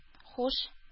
Һуш